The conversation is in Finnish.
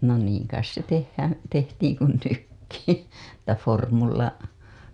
no niin kai se tehdään tehtiin kuin nytkin että vormulla